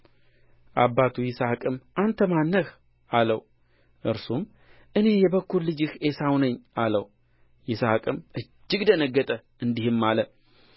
አባቱ ይስሐቅም አንተ ማን ነህ አለው እርሱም እኔ የበኵር ልጅህ ዔሳው ነኝ አለው ይስሐቅም እጅግ ደነገጠ እንዲህም አለ